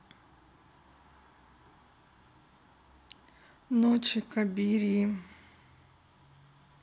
ночи кабирии